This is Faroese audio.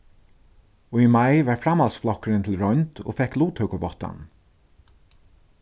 í mai var framhaldsflokkurin til roynd og fekk luttøkuváttan